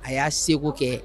A y'a segu kɛ